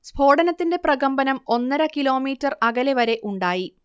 സ്ഫോടനത്തിന്റെ പ്രകമ്പനം ഒന്നര കിലോമീറ്റർ അകലെ വരെ ഉണ്ടായി